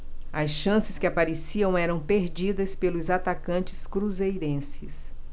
as chances que apareciam eram perdidas pelos atacantes cruzeirenses